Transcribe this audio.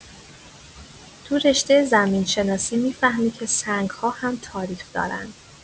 تو رشته زمین‌شناسی می‌فهمی که سنگ‌ها هم تاریخ دارن!